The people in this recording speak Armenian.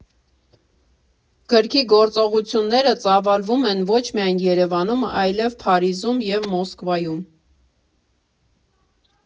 Գրքի գործողությունները ծավալվում են ոչ միայն Երևանում, այլև Փարիզում և Մոսկվայում։